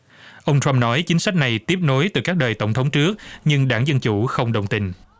ông trăm nói chính sách này tiếp nối từ các đời tổng thống trước nhưng đảng dân chủ không đồng tình